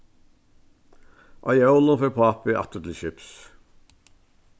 á jólum fer pápi aftur til skips